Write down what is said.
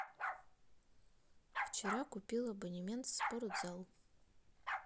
вчера купил абонемент в спортзал